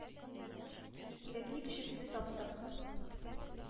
«кирәкле кешебезне таптык!» —